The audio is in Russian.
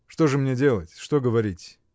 — Что же мне делать, что говорить?